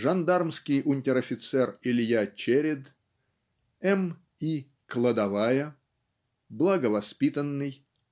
жандармский унтер-офицер Илья Черед М. И. Кладовая Благовоспитанный